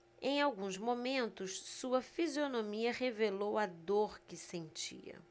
em alguns momentos sua fisionomia revelou a dor que sentia